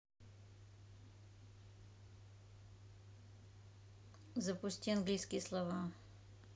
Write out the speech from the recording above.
запусти английские слова